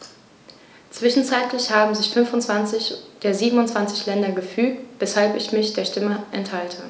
Zwischenzeitlich haben sich 25 der 27 Länder gefügt, weshalb ich mich der Stimme enthalte.